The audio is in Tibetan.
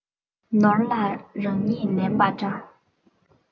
ནོར ལ རང ཉིད ལེན པ འདྲ